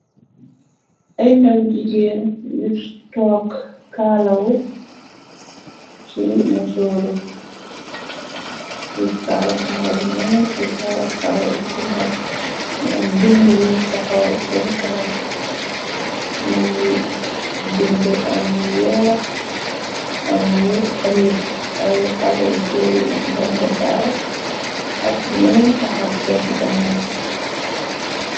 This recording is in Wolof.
Ay ndaw jigeen wirs took kaalawu, ki mu sooru, ki kaalakaalawu bu nuul , ki kaalakaalawu si ngom. Ni am bind yuñ taxawal seen kanam më ngu bind am weex , am wu kël ay xale góor yi ndango daara, ak ñeneen taxaw seen gannam.